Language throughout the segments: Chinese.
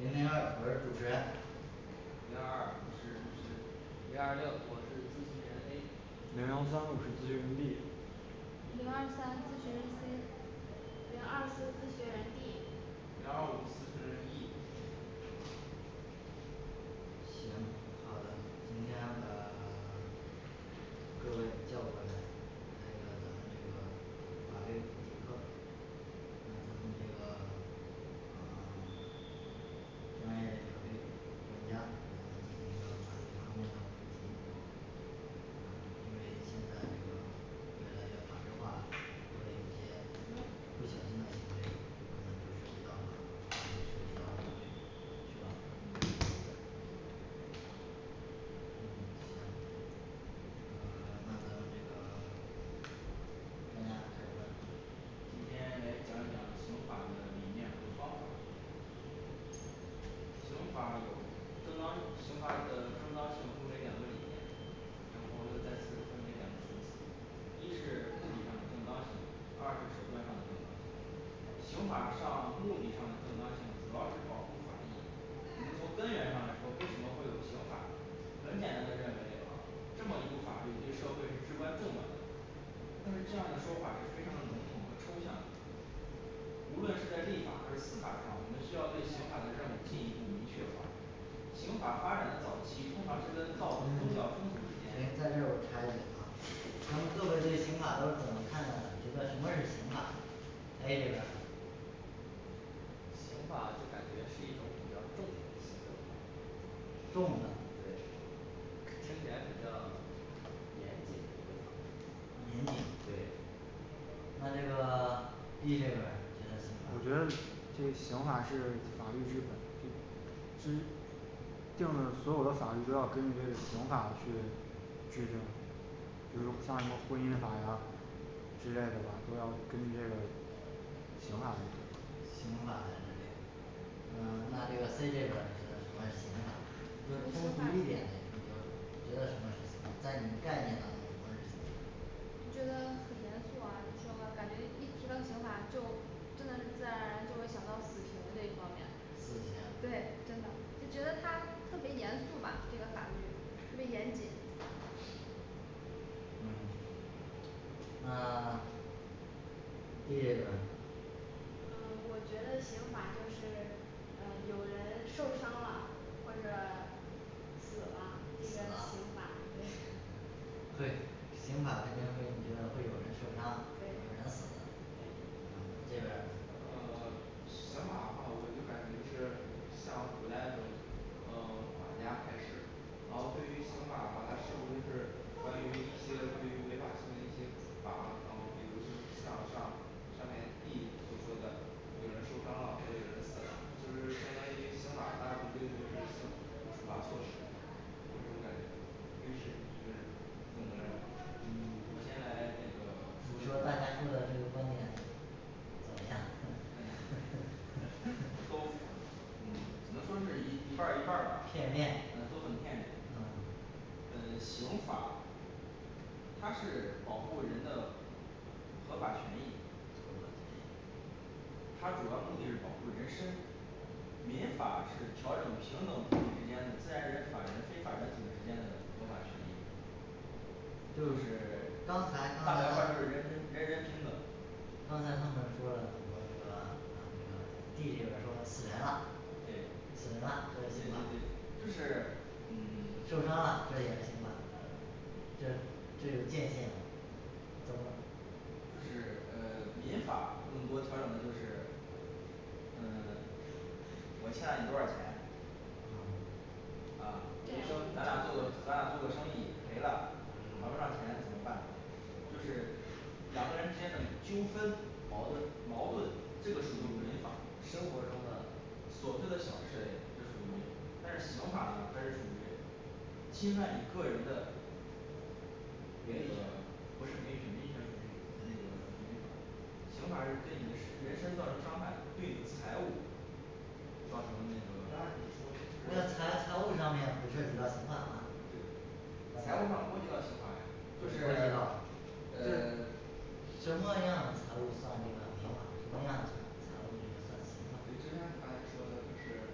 零零二我是主持人零二二我是律师零二六我是咨询人A 零幺三我是咨询人B 零二三咨询人C 零二四咨询人D 零二五咨询人E 行，好的，今天把 各位叫过来开一个咱们法律这个把这一这个呃 专业法律的专家给咱们进行个法律方面的咨询呃因为现在这个越来越法制化了我们一些不小的行为有可能就涉及到涉及到法律嗯行呃 那咱们这个专家谈谈今天来讲一讲刑法的理念和方法刑法有正当刑法呃正当性行为整个理念然后又再次分为两个层次一是物理上的正当性，二是手段上的正当性刑法上目的上的正当性主要是保护法律我们从根源上来说，为什么会有刑法很简单的认为这么一个法律对社会是至关重要的但是这样的说法儿是非常的笼统和抽象的无论是在立法还是司法上，我们需要对刑法的专有进一步明确化刑法发展的早期通常是跟造成嗯重要风险的停在这原儿我因插一嘴啊咱们各位对刑法都是怎么看的呢，觉得什么是刑法 A这边儿刑法就感觉是一种比较重的行政法重的对听起来比较严谨的一个法严谨对那这个 D这边儿觉得刑我觉法得这个刑法是法律之本就是定的所有的法律都要根据这个刑法去制定比如像什么婚姻法呀之类的吧都要根据这个刑法来定刑法的这个嗯那这个C这边儿觉得什么是刑法，就是通俗一点嘞你觉得觉得什么是刑法，在你的概念当中什么是刑法就是它很严肃啊，就说感觉一提到刑法就真的是自然而然就会想到死刑的这一方面死对刑，真的就觉得它特别严肃吧，这个法律特别严谨行嗯，那 D这边儿嗯 我觉得刑法就是嗯有人受伤了或者死了这死啦个刑法，对 对，刑法肯定会让你觉得会有人受伤，有对人死了这边儿呢呃 刑法的话我就感觉只是像古代的呃 法家开始然后对于刑法的话，它是不是就是关于一些对于违法行为的一些处罚，然后比如就是像上上面D所说的那个受伤了就是就是现在刑法它是规定惩罚措施然后我感觉我现在这个你说大 家说的这个观点怎么样都 只能说是一一半儿一半儿吧，片面嗯都很片面嗯呃刑法它是保护人的合法权益呃对它主要目的是保护人身民法是调整平等主体之间的自然人，法人和非法人组织之间的重大权益就是刚大才刚才白话儿他就是人平人人平等刚才他们说了很多这个 嗯这个D这个说死人啦对死人呃啦这就是对刑法对对就是嗯嗯受伤了这也是刑法这这有界限吗怎么就是呃民法更多调整的就是呃 我欠了你多少钱嗯呃民咱俩生做个咱俩做个生意赔了还不上嗯钱怎么办就是两个人之间的纠纷矛盾矛盾这就属于民法生活中的琐碎的小事就对属于民法但是刑法呢它是属于琐碎的小事就属于民法但是刑法呢它是属于侵犯你个人的名誉权刑法是对你的是人身造成伤害，对你的财物造成那个按理那说是财财务上面不涉及到刑法吗财务上不会涉不及涉到及刑到法呀就是呃什么样的财务算这个民法什么样的财务这个算刑对法就像你刚才说的就是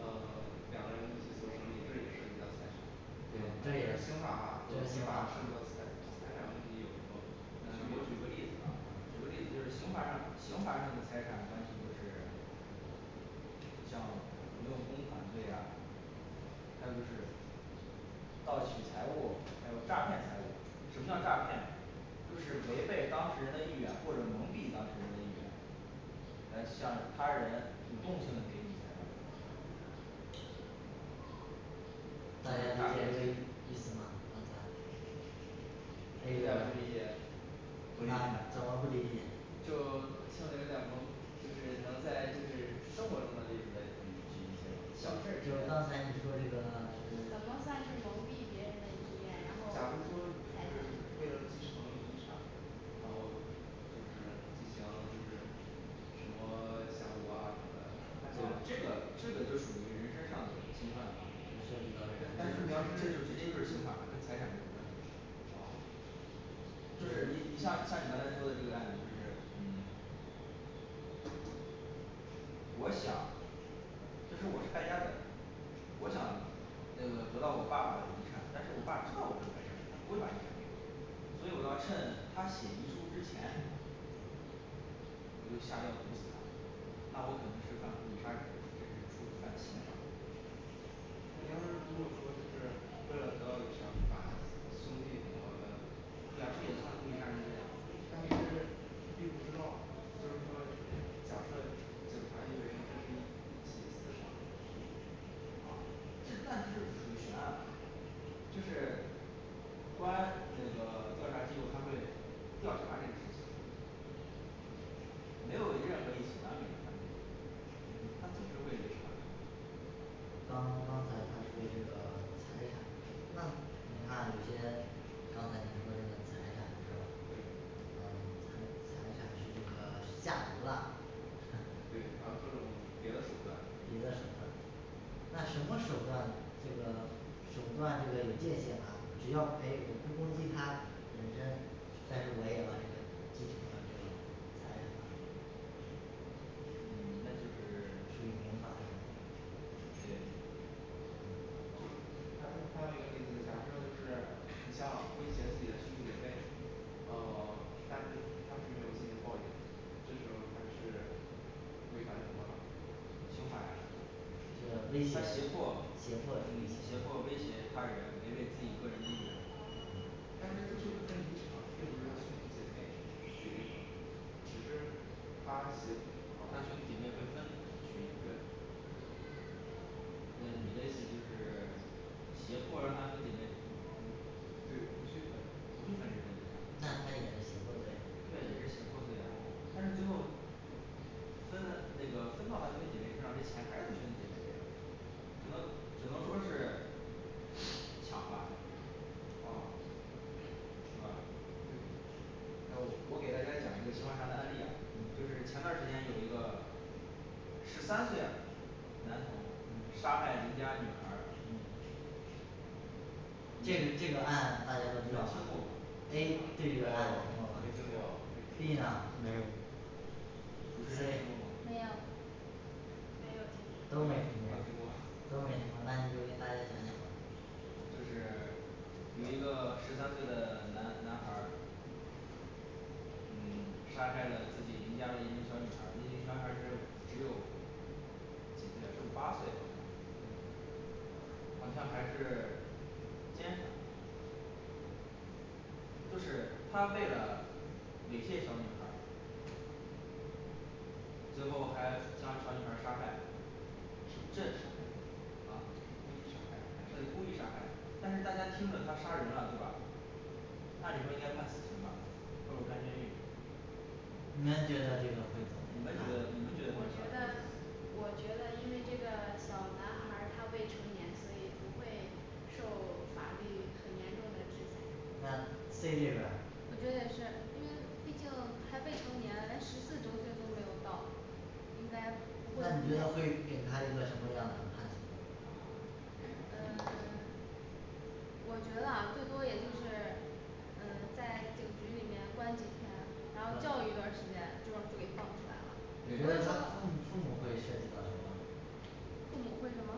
呃怎么样来对这个这是刑刑法刑法法不问涉及到财产题财产问题呃我举个例子啊举个例子就是刑法上刑法上的财产关系就是像挪用公款罪呀还有就是盗取财物还有诈骗财物什么叫诈骗财物 就是违背当事人的意愿或者蒙蔽当事人的意愿来向他人主动性的猎取的大家理解这个意思吗刚才有点儿不理解回答怎么不理解就 听着有点儿懵就是能在就是生活中的例子来举举一些小事就是刚才你儿说这个怎么算是蒙蔽别人的意愿假呀如说你是为了继承遗产然后就是什么就是什么财务啊什么的就这个这个就属于人身上的侵犯了这涉及到但是人你要是身直接就是刑法了和财产没关噢就是你你像你像你刚才说的这个案子就是嗯 我想这是我败家子儿我想那个得到我爸爸的遗产，但是我爸知道我是个败家子他不会把遗产给我所以我要趁他写遗书之前我就下药毒死他那我可能是犯故意杀人这是触犯刑法你要是如果说就是为了得到遗产把他兄弟毒死了那是不是也算是故意杀人罪了那就是可以得到，就是说假设他认为这它就是属于悬案吗就是公安那个 调查记录他会调查这个事情没有任何一起完美的犯罪他总是会刚刚刚才他说这个财产你看有些刚才你说的这个财产呃财产是这个 下毒啦对 还有这种别的手段别的手段那什么手段这个手段这个有界线吗只要诶我不攻击它本身但是我也那个继承那个财产啊嗯 是民法那就是对嗯还还有一个就是假设的就是像威胁自己的兄弟姐妹呃 他是胁迫别人这种算是违啥刑法刑法呀威胁算胁胁迫迫嗯，胁迫威胁他人，违背自己个人的意愿但是这就是刑法威胁他兄他弟姐妹平兄分弟姐妹对你的你的意思就是胁迫让他兄弟姐妹不去不不去分去分那这个遗产他也是胁迫罪对，也是胁迫罪呀但是最后分了那个分到他兄弟姐妹身上那钱还是他兄弟姐妹的只能只能说是偏袒吧哦对吧那个对还有我给大家讲一个相关的案例啊就是前嗯段儿时间有一个十三岁男童杀害嗯邻家女孩儿嗯这个这个案大家都知听道吧 A呢过对于这个没案子有有什么没看听法过 B呢没有没 C 有没有都听没没听过听过啊都过没听过，那你就给大家讲讲就是 有一个十三岁的男男孩儿嗯 杀害了自己邻家的一个小女孩儿那个小女孩儿他只有几岁啊八岁嗯好像还是奸杀就是他为了猥亵小女孩儿最后还当场把人杀害这啊是他啥呀是故意杀害但是大家听着他杀人了对吧按理说应该判死刑吧或者判监狱你们觉得这个可你以么们觉得你们觉我得觉得我觉得因为这个小男孩儿他未成年所以不会受 法律很严重的惩罚那C这边儿我觉得也是，因为毕竟还未成年，连十四周岁都没有到应该不你会觉得会给他一个什么样的判决呃 我觉得啊最多也就是呃在警局里面关几天然后教育一段儿时间最后就给放出来你了觉得对他父母父母会涉及到什么父母会什么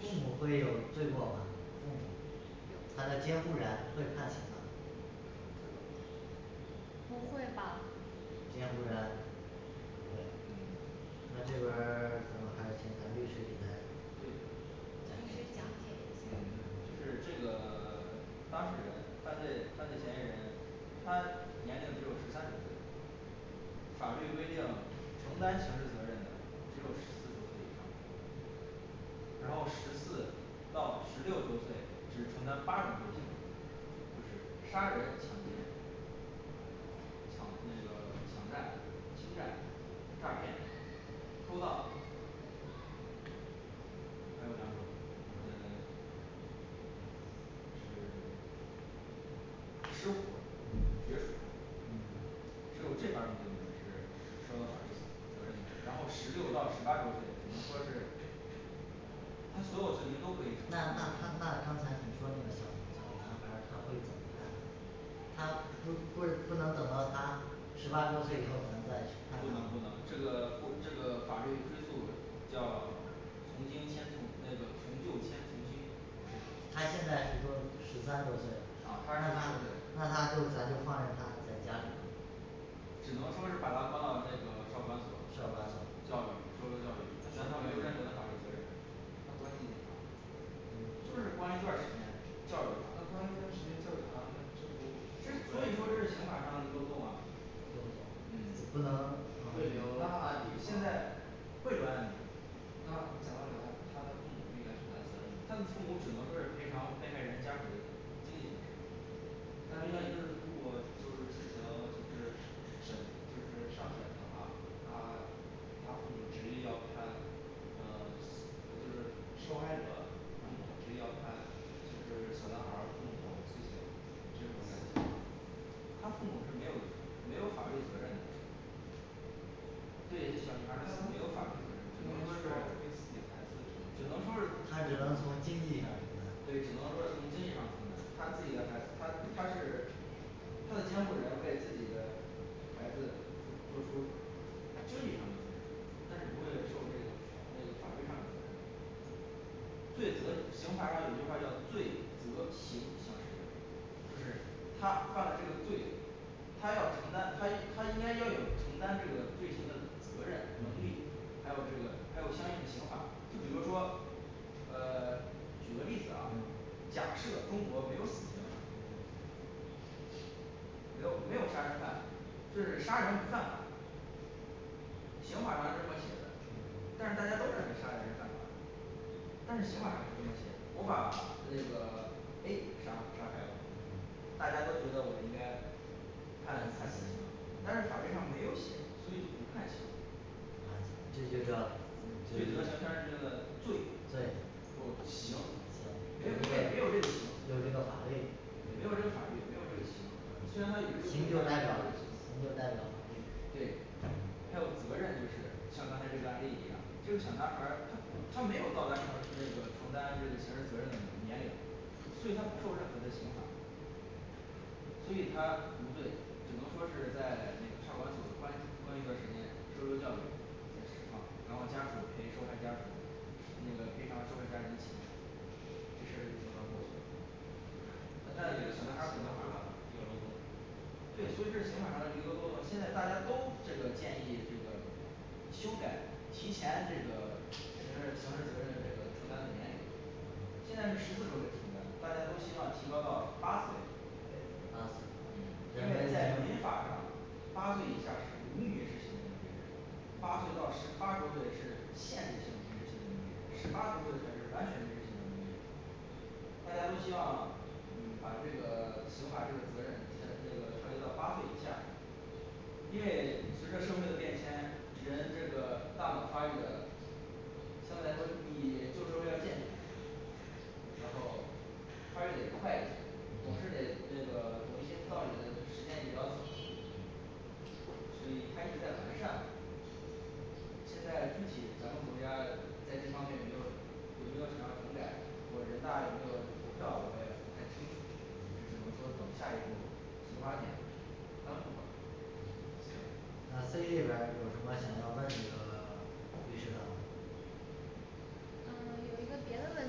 父母会有罪过吗父母他的监护人会判刑吗不会吧监护人不会嗯那这边儿 就还是请咱律师给咱汇总律师讲解一下儿嗯就是这个 当事人犯罪犯罪嫌疑人他年龄只有十三岁左右法律规定承担刑事责任的只有十四周岁以上对然后十四到十六周岁只承担八种罪刑就是杀人抢劫还有那个抢占欺占诈骗偷盗还有两种嗯 是 失火决嗯水嗯只有这八种罪名是受到法律死责任的然后十六到十八周岁只能说是所有的事情都可那以那他那那他刚才你说那个事情小男孩儿他会判他不是 不能等到他十八周岁以后，咱们再去判不能不能他这个这个法律追诉叫从轻兼那个从旧兼从轻他现在是说十三周岁了判不了他的罪啊那他就咱就放任他在家里只能说是把他放到那个少管所儿，少教管所育，特殊教育那他没有任何的法律责任那关几年啊就是关一段儿时间教育他&那关一段儿时间教育啥&这是所以说这是刑法上的漏洞啊漏洞嗯不能会留案那底现吗在会留案例啊那他的父母会赔偿他啥的父母只能说是赔偿被害人家属的经济损失那这件事如果就是进行就是审就是上审的话他他父母执意要判呃 就是受害者父母执意要判就是小男孩儿父母这个这种问题他父母是没有没有法律责任的对小孩儿是没有法律责任，只能说他是父母只能说是他只能从经济上承担对，只能说是从经济上承担。他自己的孩子他他是他的监护人为自己的孩子受处经济上的责任，但是不会受处法律上的责任罪责刑法上有句话叫罪责刑相适应就是他犯了这个罪他要承担他应他应该要有承担这个罪行的责任能力嗯还有这个还有相应的刑法，就比如说呃 举个例子啊嗯，假设中国没有死刑嗯没有没有杀人犯，是杀人不犯法刑法上是这么写的，但是嗯大家都认为杀人是犯法的但是刑法上没有这么写，我把那个A杀杀害了嗯大家都觉得我应该判判刑，但是法律嗯上没有写，所以就不判刑就这个罪罪刑责刑它是这个罪不刑没有没因为没有有这这个个法刑律没有这个法律没有这个刑，虽然他有这个行刑就为代表刑就代表对，还有责任，就是像刚才这个案例一样，&嗯&这个小男孩儿他他没有到达承受这个承担这个刑事责任的年龄所以他不受任何的刑法所以他无罪只能说是在那个少管所儿关关一段儿时间受受教育这种情况然后第二种给受害者家里那个赔偿受害人家里的钱这事儿只能到这里那对小男孩儿比较会玩对，所以这是刑法上的一个漏洞，现在大家都这个建议这个修改提前这个民事刑事责任这个承担的年龄现在是十四周岁承担但是都希望提高到八岁嗯啊因因为为在民法上八岁以下是无民事行为能力人八岁到十八周岁是限制民事行为能力人十八周岁才是完全民事行为能力人大家都希望嗯把这个起码这个责任这个调解到八岁以下因为随着社会的变迁，人这个大脑发育的相对来说比旧社会要健全然后而且得快从事的嗯这个 懂一些道理的时间比较短所以它一直在完善现在具体咱们国家在这方面有有没有什么整改，有人大的这个投票我也不太清楚，只能说等下一步出发点咱们呃这一轮儿有什么想要问这个 律师的吗呃有一个别的问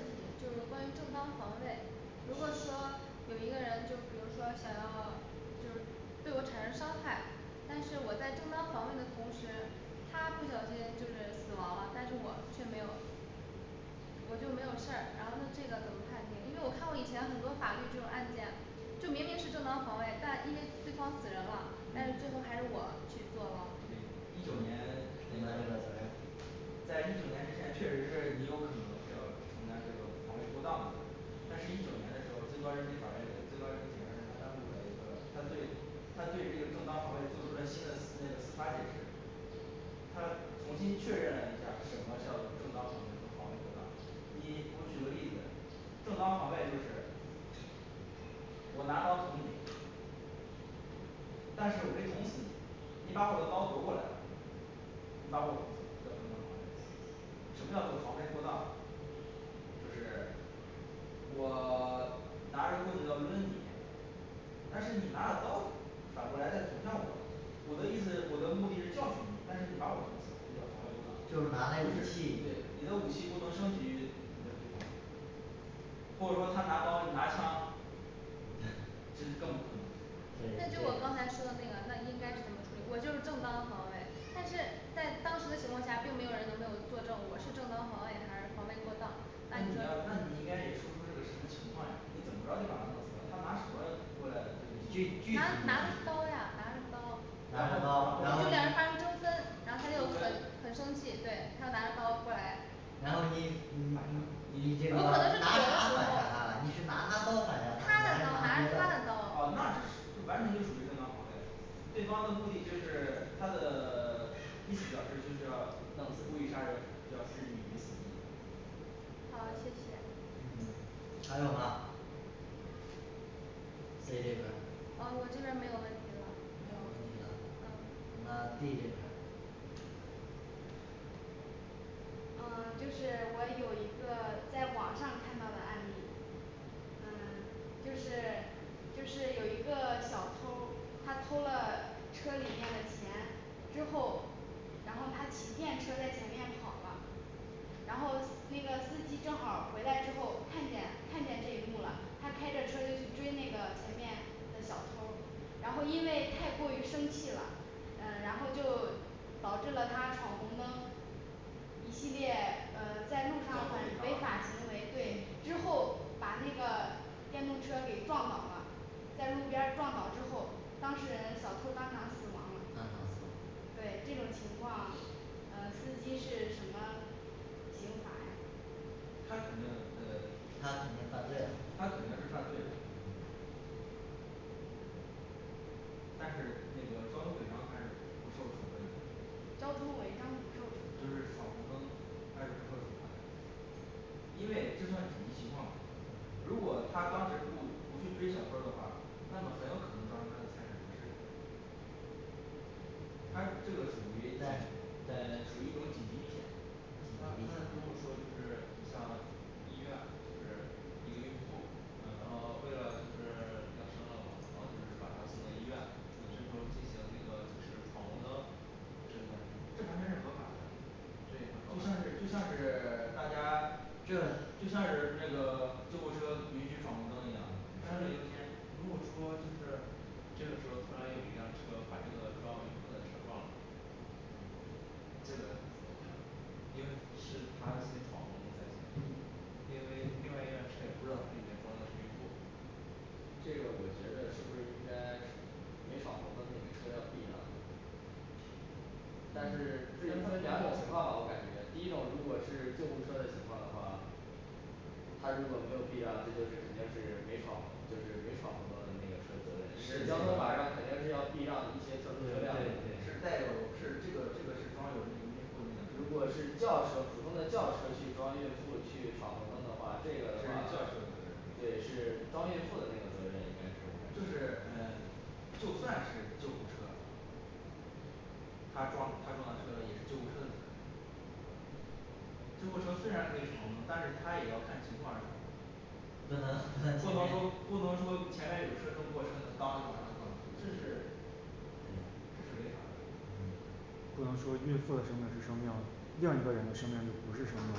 题就是关于正当防卫如果说有一个人就比如说想要就是对我产生伤害，但是我在正当防卫的同时他不小心就是死亡了，但是我却没有我就没有事儿，然后那这个怎么判定，因为我看过以前很多法律这种案件就明明是正当防卫，但因为对方死人了，但是最后还是我去坐牢一九年承担这个责任在一九年之前确实是你有可能是要承担这种防卫过当的责任但是一九年的时候，最高人民法院跟最高人民检察院他当时也有一个他对，他对他对这个正当防卫做出了新的那个司法解释他重新确认了一下儿什么叫做正当防防卫和防卫过当一我举个例子，正当防卫就是我拿刀捅你但是我没捅死你，你把我的刀夺过来你把我捅死了实际上就是防卫过当就是我 拿着棍子抡你但是你拿了刀反过来再评判我，我的意思我的目的是教训你，但是你把我弄死了就叫防卫过就是拿当的对你的武器武器不能胜于你的对手或者说他拿刀你拿枪嗯其实更不可能对那就我刚对才说的那个那应该是怎么处理，我就是正当防卫，但是在当时的情况下并没有人能为我作证，我是正当防卫还是防卫过当那那你你说要那你应该也说说是什么情况呀，你怎么着就把弄死了他拿什么过来具对具体一拿你拿着刀点呀拿着刀拿着刀就然两后个人发生纠纷，然后又很纠纷很生气，对，他就拿着刀过来然后你你你，你这个，你我有可能是是拿他刀砍他的刀拿着他的得哦刀那完全是属于正当防卫对方的目的就是他的 意思表示就是要故意杀人就要治你于死地&弄死你&好的，谢谢嗯还有吗 C这边噢儿我这边没有问题了，没有问题了嗯那D这边儿呃就是我有一个在网上看到的案例呃就是就是有一个小偷儿他偷了车里面的钱之后然后他骑电车儿在前面跑了然后那个司机正好儿回来之后看见看见这一幕了，他开着车就去追那个前面的小偷儿然后因为太过于生气了，嗯然后就导致了他闯红灯一系列呃在路交上通的违违法章行为，对，之后把那个电动车给撞倒了在路边儿撞倒之后，当事人小偷当场死亡了嗯，对这种情况呃司机是什么刑法呀他觉得他呃肯定犯罪了他肯定是犯罪的嗯但是那个交通违章还是不受处分的交通违章不受就惩是罚闯红灯他是不受惩罚因为这算紧急情况？如嗯果他当时不不去追小偷儿的话，那么很有可能把他的财产流失他这个属于但呃属于一种紧急情况那如果说就是像就是一个孕妇然后为了就是快生了嘛然后就是把她送进医院然后那个那个就是闯红灯就是这肯定是违法的就像是就像是大家这就像是那个救护车允许闯红灯一样如果说就是这有刚刚有一辆车把这个装病人的车给撞了这个因为是他自己闯红灯才因为另外一辆车也不知道自己能不能过这个我觉得是不是应该没闯红灯的那个车要避让但是这得分两种情况吧我感觉，第一种如果是救护车的情况的话他如果没有避让，这就是肯定是没闯红就是没闯红灯的那个车的责任，因为交通法是上肯定是要避让一些特殊车对辆对是对带有是这个这个，如果是轿车普通的轿车去装孕妇去闯红灯的话，这这是个轿的话车的责任对是装孕妇那个责任应该是就是呃 我就感算觉是救护车他撞到他撞到这个也是救护车的责任最后说虽然没停住但是他也要看情况儿的不不能能说不能说你前面有车正过他就当往上撞这是这是行违法的嗯不能说孕妇的生命是生命，另外一个人的对生命就不是生命